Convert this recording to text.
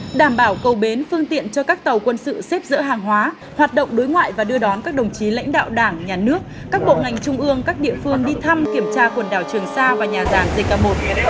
đảm bảo cầu bến phương tiện cho các tàu quân sự xếp dỡ hàng hóa hoạt động đối ngoại và đưa đón các đồng chí lãnh đạo đảng nhà nước các bộ ngành trung ương các địa phương đi thăm kiểm tra quần đảo trường sa và nhà giàn đê ca một